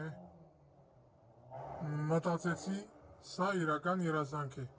Մտածեցի՝ սա իրական երազանք է։